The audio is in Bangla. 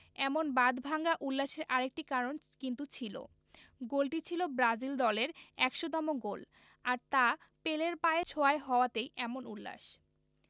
এমন বাঁধভাঙা উল্লাসের আরেকটি কারণ কিন্তু ছিল গোলটি ছিল ব্রাজিল দলের ১০০তম গোল আর তা পেলের পায়ের ছোঁয়ায় হওয়াতেই এমন উল্লাস